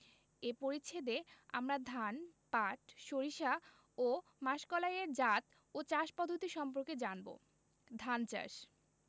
এ পরিচ্ছেদে আমরা ধান পাট সরিষা ও মাসকলাই এর জাত ও চাষ পদ্ধতি সম্পর্কে জানব ধান চাষ